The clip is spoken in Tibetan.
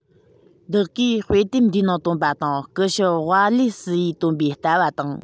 བདག གིས དཔེ དེབ འདིའི ནང བཏོན པ དང སྐུ ཞབས ཝ ལེ སི ཡིས བཏོན པའི ལྟ བ དང